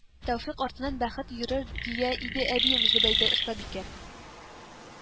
Тәүфыйкъ артыннан бәхет йөрер дия иде әбием Зөбәйдә остабикә